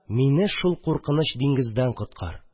Мине шул куркыныч диңгездән коткар